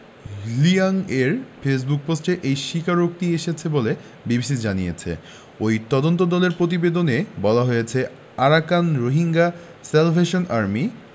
হ্লিয়াংয়ের ফেসবুক পোস্টে এই স্বীকারোক্তি এসেছে বলে বিবিসি জানিয়েছে ওই তদন্তদলের প্রতিবেদনে বলা হয়েছে আরাকান রোহিঙ্গা স্যালভেশন আর্মির